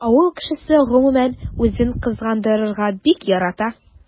Авыл кешесе гомумән үзен кызгандырырга бик ярата.